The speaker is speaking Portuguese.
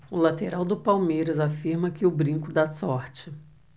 o lateral do palmeiras afirma que o brinco dá sorte